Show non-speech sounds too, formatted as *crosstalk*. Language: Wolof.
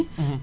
*hesitation* *hesitation*